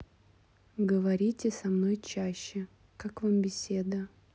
говорите со мной чаще как вам беседа